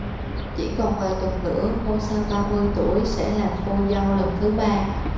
chỉ còn vài tuần nữa ngôi sao ba mươi tuổi sẽ làm cô dâu lần thứ ba